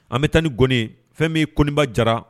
An bɛ taa ni goni fɛn b'i koɔniba jara